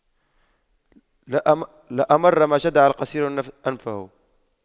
لأمر ما جدع قصير أنفه